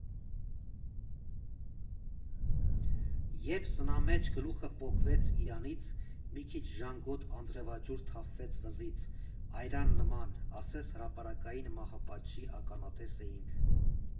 Երբ սնամեջ գլուխը պոկվեց իրանից, մի քիչ ժանգոտ անձրևաջուր թափվեց վզից՝ արյան նման, ասես հրապարակային մահապատժի ականատես էինք։